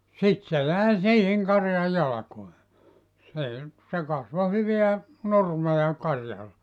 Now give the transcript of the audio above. sitten se jäi siihen karjan jalkoihin se nyt se kasvoi hyvää nurmea karjalle